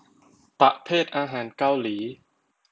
ประเภทอาหารเกาหลี